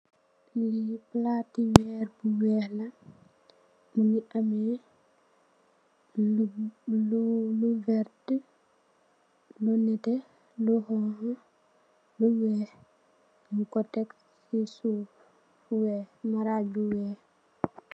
Lii plaati wehrre bu wekh la, mungy ameh lu, lu luu vertue, lu nehteh, lu honha, lu wekh, munkoh tek cii suff fu wekh, marajj bu wekh.